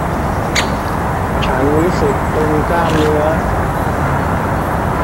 ฉันรู้สึกตึงกล้ามเนื้อ